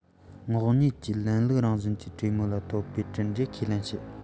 ངོགས གཉིས ཀྱི ལམ ལུགས རང བཞིན གྱི གྲོས མོལ ལ ཐོབ པའི གྲུབ འབྲས ཁས ལེན བྱས